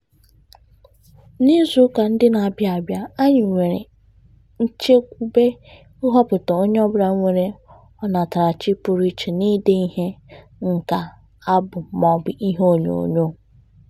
N'izuụka ndị na-abịa abịa anyị nwere nchekwube ịhọpụta onye ọbụla nwere ọnatarachi pụrụiche n'ide ihe, nka, abụ maọbụ ihe onyonyo.